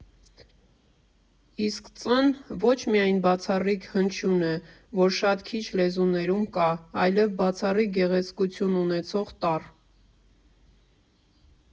Իսկ Ծ֊ն ոչ միայն բացառիկ հնչյուն է, որ շատ քիչ լեզուներում կա, այլև բացառիկ գեղեցկություն ունեցող տառ։